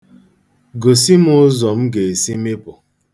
Gosi m ụzọ m ga-esi mịpụ